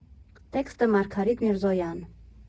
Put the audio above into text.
Տեքստը՝ Մարգարիտ Միրզոյան։